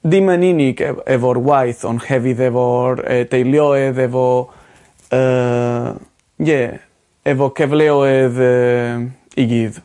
dim yn unig ef- efo'r waith on' hefydd efo'r yy teuluoedd efo yy ie. Hefo cefleoedd yym i gyd.